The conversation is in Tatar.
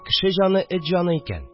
Кеше җаны эт җаны икән